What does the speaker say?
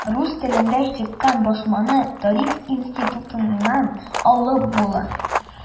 Рус телендә чыккан басманы Тарих институтыннан алып була.